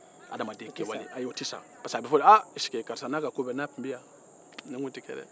a bɛ fɔ de aa karisa n'a ka ko bɛɛ n'a tun bɛ yan nin tɛ kɛ dɛ